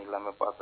Ni lamɛn pasa